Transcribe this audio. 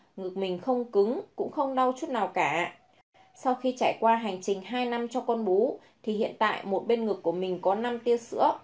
ngực mình không căng cứng cũng không đau chút nào cả sau khi trải qua hành trình năm cho con bú thì hiện tại bên ngực của mình có tia sữa